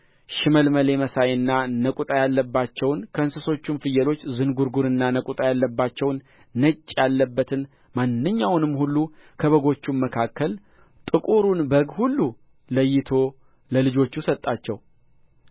ሽመልመሌ መሳይና ነቍጣ ያለባቸውን ከእንስቶቹም ፍየሎች ዝንጕርጕርና ነቍጣ ያለባቸውን ነጭ ያለበትን ማንኛውንም ሁሉ ከበጎቹም መካከል ጥቁሩን በግ ሁሉ ለይቶ ለልጆቹ ሰጣቸው